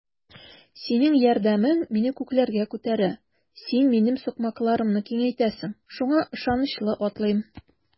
Синең ярдәмең мине күкләргә күтәрә, син минем сукмакларымны киңәйтәсең, шуңа ышанычлы атлыйм.